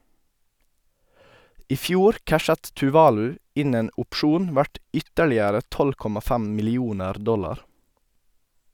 I fjor cashet Tuvalu inn en opsjon verdt ytterligere 12,5 millioner dollar.